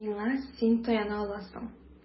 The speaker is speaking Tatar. Миңа син таяна аласың.